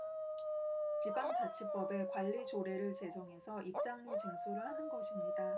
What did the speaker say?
지방자치법의 관리 조례를 제정해서 입장료 징수를 하는 것입니다